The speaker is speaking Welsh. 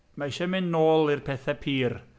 Mae isie mynd nôl i'r pethau pur.